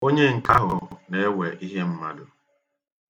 Onyenka ahụ na-ewe ihe mmadụ.